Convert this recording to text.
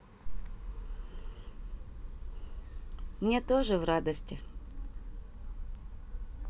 мне тоже в радости